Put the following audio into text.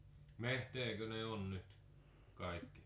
metsääkö ne on nyt kaikki